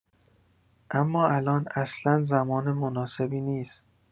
اما الان اصلا زمان مناسبی نیس.